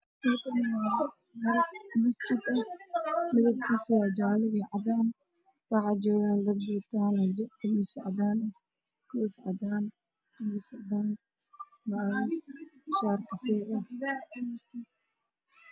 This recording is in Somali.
Oo meel masaajid ah waxaa joogaan dad fara badan oo wataan khamiisyo cadaan iyo cimaamado iyo koviyo